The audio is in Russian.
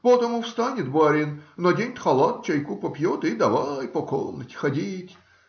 Потому встанет барин, наденет халат, чайку попьет и давай по комнате ходить.